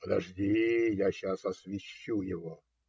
Подожди, я сейчас освещу его.